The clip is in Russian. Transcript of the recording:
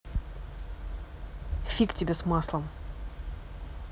фиг тебе с маслом